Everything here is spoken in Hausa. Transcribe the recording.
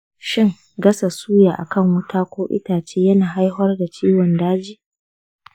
shin gasa suya a kan wuta ko itace yana haifar da ciwon daji?